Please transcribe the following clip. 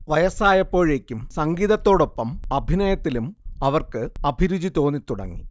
വയസ്സായപ്പോഴേയ്ക്കും സംഗീതത്തോടോപ്പം അഭിനയത്തിലും അവർക്ക് അഭിരുചി തോന്നിത്തുടങ്ങി